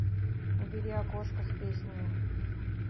убери окошко с песнями